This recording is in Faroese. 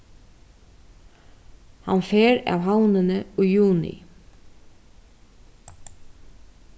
hann fer av havnini í juni